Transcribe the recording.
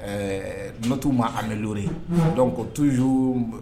Ɛɛ dunantu ma a dɔn ko tuzyo